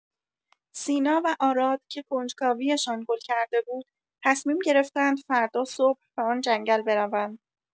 سینا و آراد که کنجکاویشان گل کرده بود، تصمیم گرفتند فردا صبح به آن جنگل بروند.